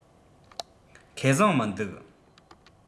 ཁེ བཟང མི འདུག